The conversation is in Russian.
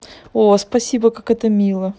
о спасибо как это мило